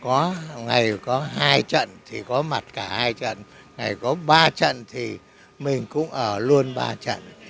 có ngày có hai trận thì có mặt cả hai trận ngày có ba trận thì mình cũng ở luôn ba trận